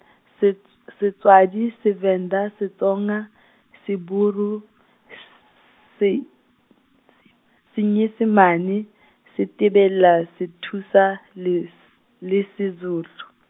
Sets-, Setswadi Sevenda Setsonga, Seburu, s- Se- , Senyesimane, Setebela, Sethosa, le S- le Sezulu.